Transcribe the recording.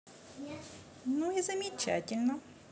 ну и замечательно